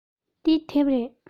འདི དེབ རེད